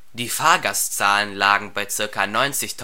Die Fahrgastzahlen lagen bei circa 90.000